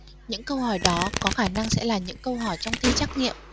những câu hỏi đó có khả năng sẽ là những câu hỏi trong thi trắc nghiệm